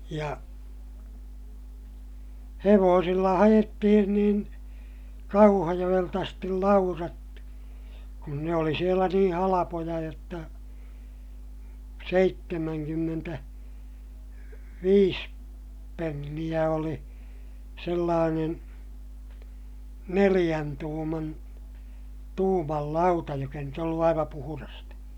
ja hevosilla haettiin niin Kauhajoelta asti laudat kun ne oli siellä niin halpoja jotta - seitsemänkymmentäviisi penniä oli sellainen neljän tuuman tuuman lauta joka ei nyt ollut aivan puhdasta